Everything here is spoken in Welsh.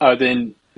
A wedyn...